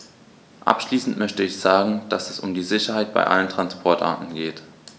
Abschließend möchte ich sagen, dass es um die Sicherheit bei allen Transportarten geht.